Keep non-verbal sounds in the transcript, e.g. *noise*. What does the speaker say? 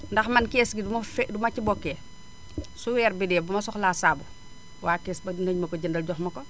*noise* ndax man kees bi du ma fi fe du ma ci bokkee *noise* su weer bi deewee bu ma soxlaa saabu waa kees ba dinañ ma ko jëndal jox ma ko